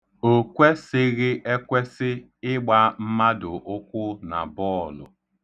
O kwesịghị ekwesị ịgba mmadụ ụkwụ na bọọlụ.